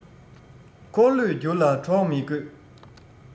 འཁོར ལོས བསྒྱུར ལ གྲོགས མི དགོས